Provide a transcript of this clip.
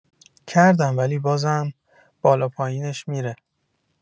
کردم ولی بازم بالا پایینش می‌ره